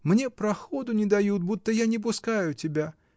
Мне проходу не дают, будто я не пускаю тебя.